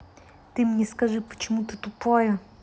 ты мне скажи почему ты тупая